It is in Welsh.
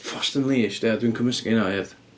Forced Unleashed! Ia, dwi'n cymysgu heina o hyd.